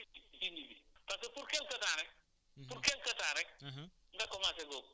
fajar bala picc yi jóg ña nga fa bala nga ñibbi énu ñibbi parce que pour quelques temps rek